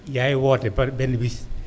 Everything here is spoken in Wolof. yaay woote par benn bés